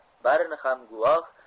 barini ham guvoh